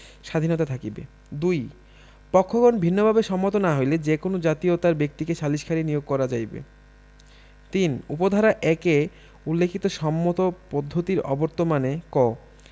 স্বাধীনতা থাকিবে ২ পক্ষগণ ভিন্নভাবে সম্মত না হইলে যে কোন জাতীয়তার ব্যক্তিকে সালিসকারী নিয়োগ করা যাইবে ৩ উপ ধারা ১ এ উল্লেখিত সম্মত পদ্ধতির অবর্তমানে ক